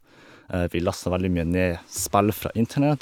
Vi lasta veldig mye ned spill fra Internett.